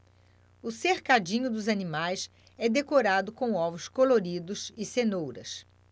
o cercadinho dos animais é decorado com ovos coloridos e cenouras